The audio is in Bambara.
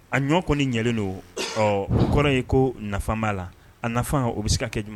A ɲɔ kɔni ni ɲɛlen don ɔɔ o kɔrɔ ye koo nafan b'a la a nafan o be se ka kɛ jum